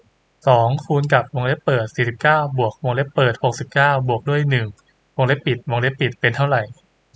สองคูณกับวงเล็บเปิดสี่สิบเก้าบวกวงเล็บเปิดหกสิบเก้าบวกด้วยหนึ่งวงเล็บปิดวงเล็บปิดเป็นเท่าไร